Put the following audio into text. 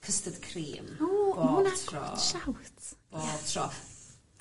Custard Creme. Ww. Ma hwnna... Bob tro. . ...good shout. Bob tro.